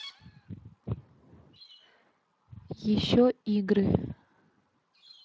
еще игры